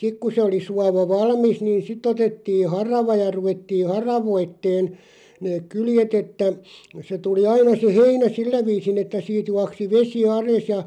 sitten kun se oli suova valmis niin sitten otettiin harava ja ruvettiin haravoimaan ne kyljet että se tuli aina se heinä sillä viisin että siitä juoksi vesi alas ja